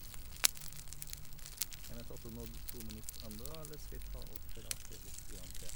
Har vi tatt og nådd to minutter enda, eller skal jeg ta og prate lite grann til?